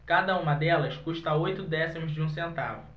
cada uma delas custa oito décimos de um centavo